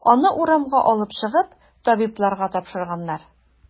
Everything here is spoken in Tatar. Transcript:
Аны урамга алып чыгып, табибларга тапшырганнар.